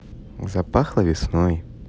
запахло весной